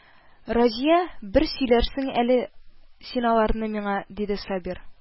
Разия, бер сөйләрсең әле син ал арны миңа, диде Сабир